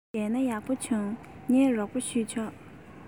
བྱས ན ཡག པོ བྱུང ངས རོགས པ བྱས ཆོག